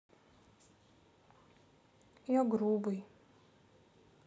я грубый